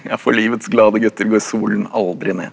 ja for livets glade gutter går solen aldri ned.